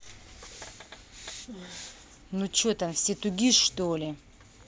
ну че там все 2gis что ли